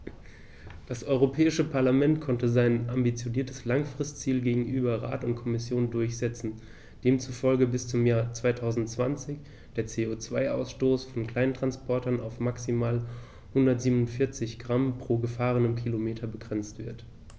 Das Europäische Parlament konnte sein ambitioniertes Langfristziel gegenüber Rat und Kommission durchsetzen, demzufolge bis zum Jahr 2020 der CO2-Ausstoß von Kleinsttransportern auf maximal 147 Gramm pro gefahrenem Kilometer begrenzt wird.